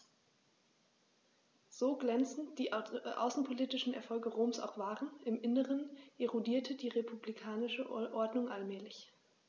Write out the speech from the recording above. So glänzend die außenpolitischen Erfolge Roms auch waren: Im Inneren erodierte die republikanische Ordnung allmählich.